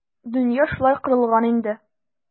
Дөнья шулай корылган инде.